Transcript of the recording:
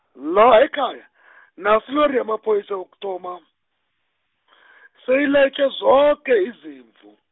la ekhaya , nasi ilori yamapholisa yokuthoma , seyilayitjhe zoke izimvu.